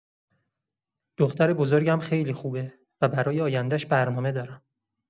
دختر بزرگم خیلی خوبه و برای آینده‌اش برنامه داره.